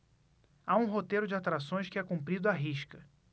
há um roteiro de atrações que é cumprido à risca